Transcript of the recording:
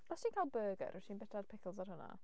Os ti'n cael byrgyr, wyt ti'n byta'r pickles ar hwnna? Na.